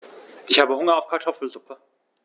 Ich habe Hunger auf Kartoffelsuppe.